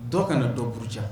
Dɔw ka na dɔn burujan